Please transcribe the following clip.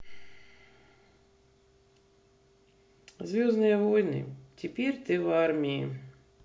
звездные войны теперь ты в армии